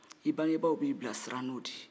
i bangebaaw b'i bilasira n'o de ye